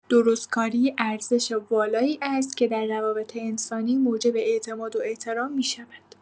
درستکاری ارزش والایی است که در روابط انسانی موجب اعتماد و احترام می‌شود.